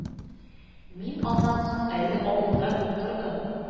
Мин аннан соң әле авылда күп тордым